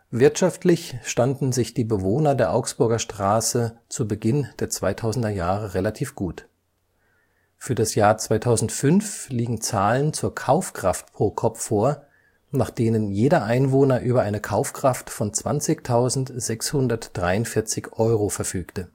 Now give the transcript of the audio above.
Wirtschaftlich standen sich die Bewohner der Augsburger Straße zu Beginn der 2000er Jahre relativ gut: für das Jahr 2005 liegen Zahlen zur Kaufkraft pro Kopf vor, nach denen jeder Einwohner über eine Kaufkraft von 20.643 Euro verfügte